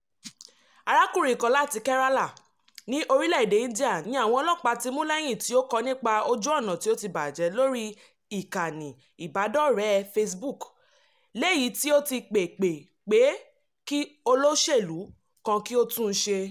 Arákùnrin kan láti Kerala, ní orílẹ́ èdè India ni àwọn ọlọ́pàá ti mú lẹ́yìn tí ó kọ nípa ojú ọ̀nà tí ó tí bàjẹ́ lórí ìkànnì ìbánidọ́rẹ̀ẹ́ Facebook, lèyí tí ó ń pèpè pé kí olóṣèlú kan kí ó tún un ṣe.